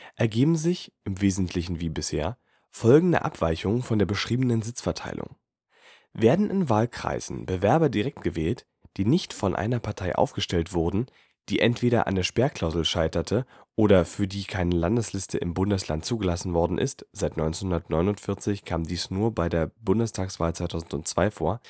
ergeben sich (im Wesentlichen wie bisher) folgende Abweichungen von der beschriebenen Sitzverteilung: Werden in Wahlkreisen Bewerber direkt gewählt, die nicht von einer Partei aufgestellt wurden, die entweder an der Sperrklausel scheiterte oder für die keine Landesliste im Bundesland zugelassen worden ist (seit 1949 kam dies nur bei der Bundestagswahl 2002 vor